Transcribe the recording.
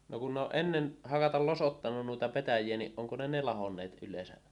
no kun ne on ennen hakata losottanut noita petäjiä niin onko ne ne lahonneet yleensä